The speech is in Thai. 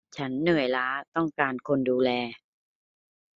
ฉันเหนื่อยล้าต้องการคนดูแล